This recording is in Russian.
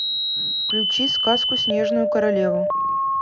включи сказку снежную королеву